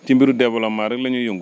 ci mbiru développement rek la ñuy yëngu